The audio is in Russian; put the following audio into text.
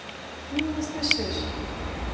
ты меня смешишь